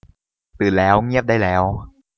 ตื่นแล้วเงียบได้แล้ว